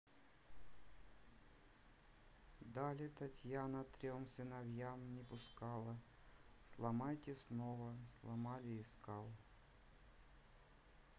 dali татьяна трем сыновьям не пускала сломайте снова сломали искал